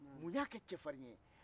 mun y'a kɛ cɛfarin ye